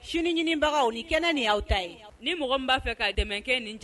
Sini ɲinibagaw ni kɛnɛ aw ta ye ni b'a fɛ ka dɛmɛ kɛ nin jan